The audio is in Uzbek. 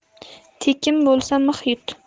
tekin bo'lsa mix yut